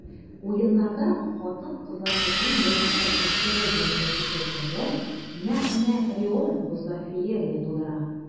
Уеннарда хатын-кызлар хоккеен беренче тапкыр ТВ буенча күрсәткәндә, нәкъ менә Реом бозда феерия тудыра.